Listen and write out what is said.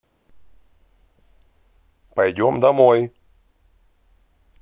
пойдем домой